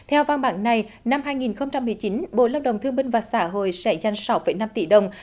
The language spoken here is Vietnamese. theo văn bản này năm hai nghìn không trăm mười chín bộ lao động thương binh và xã hội sẽ chẵn sáu phẩy năm tỷ đồng